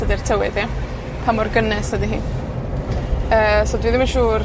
ydi'r tywydd ia? Pa mor gynes ydi hi. Yy, so dw i ddim yn siŵr